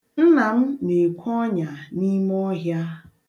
Nna m na-ekwe ọnya n'ime ọhịa.